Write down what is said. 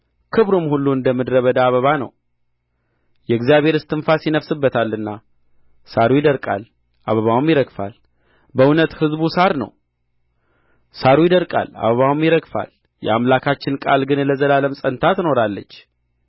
ክብሩም ሁሉ እንደ ምድረ በዳ አበባ ነው የእግዚአብሔር እስትንፋስ ይነፍስበታልና ሣሩ ይደርቃል አበባውም ይረግፋል በእውነት ሕዝቡ ሣር ነው ሣሩ ይደርቃል አበባውም ይረግፋል የአምላካችን ቃል ግን ለዘላለም ጸንታ ትኖራለች